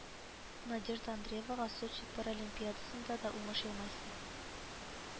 Надежда Андреевага Сочи Паралимпиадасында да уңыш елмайсын